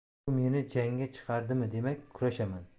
bu meni jangga chaqirdimi demak kurashaman